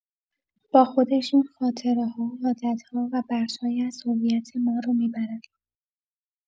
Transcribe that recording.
با خودشون خاطره‌ها، عادت‌ها، و بخش‌هایی از هویت ما رو می‌برن.